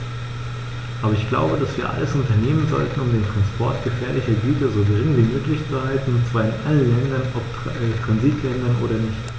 Aber ich glaube, dass wir alles unternehmen sollten, um den Transport gefährlicher Güter so gering wie möglich zu halten, und zwar in allen Ländern, ob Transitländer oder nicht.